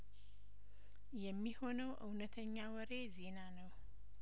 የሚሆነው እውነተኛ ወሬ ዜና ነው